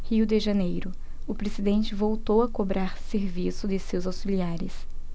rio de janeiro o presidente voltou a cobrar serviço de seus auxiliares